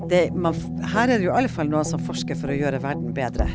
det man her er det jo alle fall noen som forsker for å gjøre verden bedre.